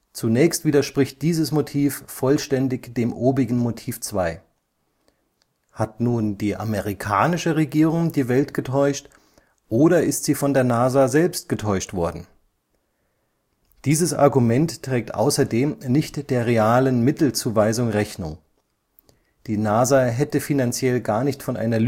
Zunächst widerspricht dieses Motiv vollständig dem obigen Motiv 2: Hat nun die amerikanische Regierung die Welt getäuscht, oder ist sie von der NASA selbst getäuscht worden? Dieses Argument trägt außerdem nicht der realen Mittelzuweisung Rechnung. Die NASA hätte finanziell gar nicht von einer